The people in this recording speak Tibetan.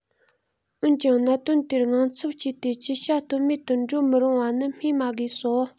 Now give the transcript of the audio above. འོན ཀྱང གནད དོན དེར དངངས འཚབ སྐྱེས ཏེ ཅི བྱ གཏོལ མེད དུ འགྲོ མི རུང བ ནི སྨོས མ དགོས སོ